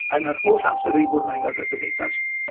Yn yr holl amser rwy 'di bod yn aelod o'r Gymdeithas